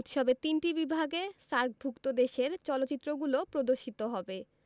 উৎসবের তিনটি বিভাগে সার্কভুক্ত দেশের চলচ্চিত্রগুলো প্রদর্শিত হবে